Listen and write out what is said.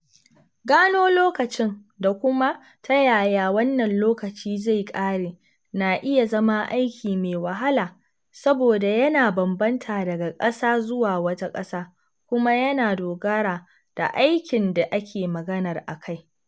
Gano lokacin da kuma ta yaya wannan lokaci zai ƙare na iya zama aiki mai wahala saboda yana bambanta daga ƙasa zuwa wata ƙasa kuma yana dogara da aikin da ake maganar akai.